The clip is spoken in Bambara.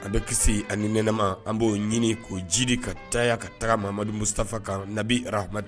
An be kisii ani nɛnɛma an b'o ɲini k'o jidi ka caya ka taga Mamadu Mustafa kan nabi arahad